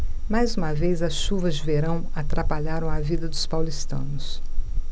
mais uma vez as chuvas de verão atrapalharam a vida dos paulistanos